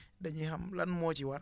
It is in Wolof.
dañuy xam lan moo ci war